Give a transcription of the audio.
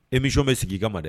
Emiw bɛ sigi i ka ma dɛ